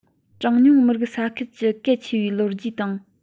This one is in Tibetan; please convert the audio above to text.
གྲངས ཉུང མི རིགས ས ཁུལ གྱི གལ ཆེ བའི ལོ རྒྱུས དང